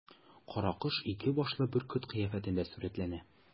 Каракош ике башлы бөркет кыяфәтендә сурәтләнә.